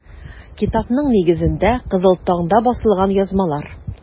Китапның нигезендә - “Кызыл таң”да басылган язмалар.